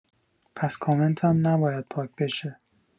پس کامنتم نباید پاک بشه